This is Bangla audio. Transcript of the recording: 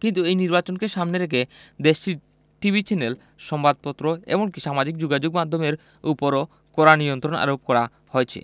কিন্তু এই নির্বাচনকে সামনে রেখে দেশটির টিভি চ্যানেল সংবাদপত্র এমনকি সামাজিক যোগাযোগের মাধ্যমের উপরেও কড়া নিয়ন্ত্রণ আরোপ করা হয়েছে